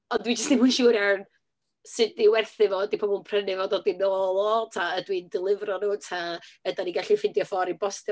Ond dwi jyst ddim yn siŵr iawn sut i werthu fo. Ydy pobl yn prynu fo, dod i nôl o? Ta ydw i'n delifro nhw, ta ydan ni'n gallu ffeindio ffordd i bostio?